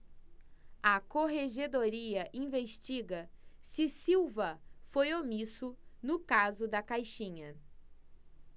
a corregedoria investiga se silva foi omisso no caso da caixinha